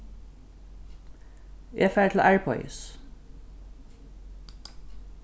eg fari til arbeiðis